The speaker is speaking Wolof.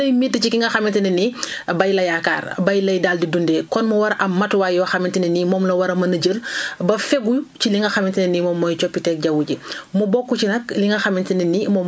mu nekk loo xamante ne dañu jàpp ne gën nay métti ci ki nga xamante ne nii bay la yaakaar bay lay daal di dundee kon mu war a am matuwaay yoo xamante ne nii moo la war a mën jël ba fegu ci li nga xamante ne nii mooy coppiteg jaww ji